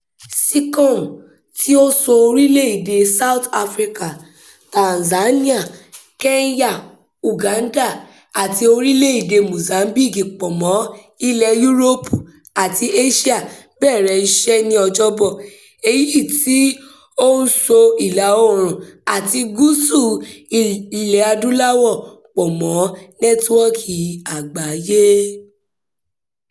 Seacom, tí ó so orílẹ̀ èdè South Africa, Tanzania, Kenya, Uganda àti orílẹ̀ èdè Mozambique pọ̀ mọ́ Ilẹ̀ Yúróòpù àti Éṣíà, bẹ̀rẹ̀ iṣẹ́ ní Ọjọ́bọ̀, èyí tí ó ń so ìlà oòrùn àti gúúsù Ilẹ̀ Adúláwò pọ̀ mọ́ nẹ́tíwọ́ọ̀kì àgbáyé.